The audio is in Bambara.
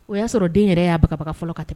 O y'a sɔrɔ den yɛrɛ y'a bababaga fɔlɔ ka tɛmɛ